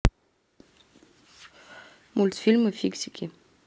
мультфильмы фиксики